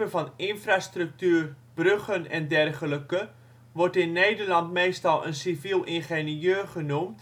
van infrastructuur, bruggen en dergelijke wordt meestal een civiel ingenieur (NL